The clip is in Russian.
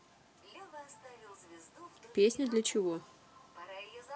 песня для чего